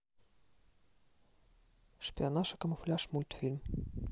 шпионаж и камуфляж мультфильм